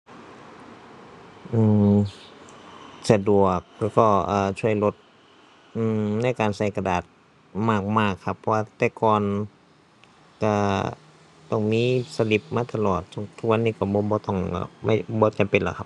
อือ สะดวกแล้วก็ เออ ช่วยลด อือ ในการใช้กระดาษมากมากครับ เพราะว่าแต่ก่อนใช้ต้องมีสลิปมาตลอด ทุก ทุกวันนี้ใช้บ่บ่ต้องแล้ว บ่จำเป็นแล้วครับ